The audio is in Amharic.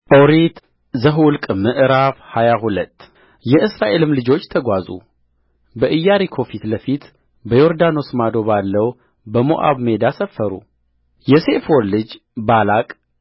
ኦሪት ዘኍልቍ ምዕራፍ ሃያ ሁለት የእስራኤልም ልጆች ተጓዙ በኢያሪኮ ፊት ለፊት በዮርዳኖስ ማዶ ባለው በሞዓብ ሜዳ ሰፈሩየሴፎር ልጅ ባላቅ